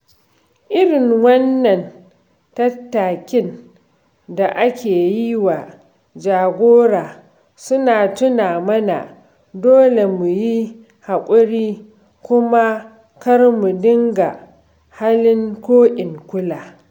Irin wannan tattakin da ake yi wa jagora suna tuna mana dole mu yi haƙuri kuma kar mu dinga halin ko-in-kula.